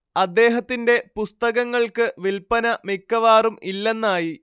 അദ്ദേഹത്തിന്റെ പുസ്തകങ്ങൾക്ക് വില്പന മിക്കവാറും ഇല്ലെന്നായി